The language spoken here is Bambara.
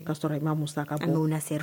I ka sɔrɔ i ma mu ka kun na se